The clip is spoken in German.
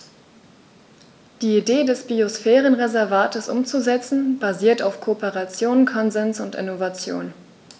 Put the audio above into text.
Die Idee des Biosphärenreservates umzusetzen, basiert auf Kooperation, Konsens und Innovation.